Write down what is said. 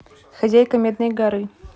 хозяйка медной горы